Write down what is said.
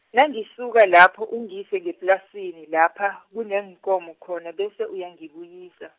nangisuka lapho ungise ngeplasini lapha, kuneenkomo khona bese uyangibuyisa.